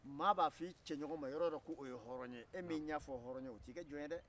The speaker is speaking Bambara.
maa b'a f'i cɛ ɲɔgɔn ma yɔrɔ wo yɔrɔ k'o ye hɔrɔn ye e min y'a fɔ hɔrɔnye o t'i kɛ jɔn ye dɛ